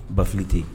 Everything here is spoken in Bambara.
Bafi tɛ yen